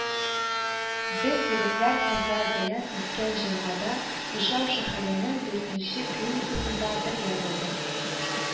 Без егетләр-кызлар белән үткән җомгада Ижау шәһәренең дүртенче клиникасында бергә булдык